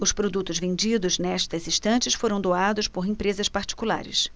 os produtos vendidos nestas estantes foram doados por empresas particulares